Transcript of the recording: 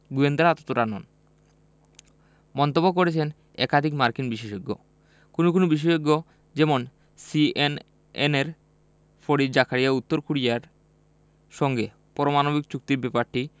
গোয়েন্দারা ততটা নন মন্তব্য করেছেন একাধিক মার্কিন বিশেষজ্ঞ কোনো কোনো বিশেষজ্ঞ যেমন সিএনএনের ফরিদ জাকারিয়া উত্তর কোরিয়ার সঙ্গে পারমাণবিক চুক্তির ব্যাপারটি